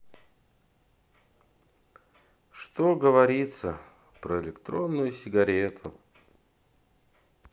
что говорится про электронную сигарету